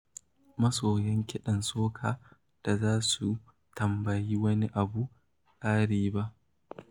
Masoyan kiɗan soca ba za su tambayi wani abu ƙari ba.